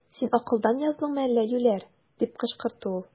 Син акылдан яздыңмы әллә, юләр! - дип кычкырды ул.